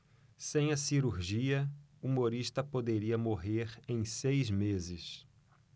sem a cirurgia humorista poderia morrer em seis meses